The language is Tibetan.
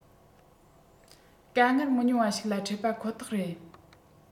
དཀའ ངལ མི ཉུང བ ཞིག ལ འཕྲད པ ཁོ ཐག རེད